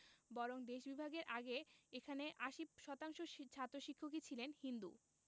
বরং দেশ বিভাগের আগে এখানে ৮০% ছাত্র শিক্ষকই ছিলেন হিন্দু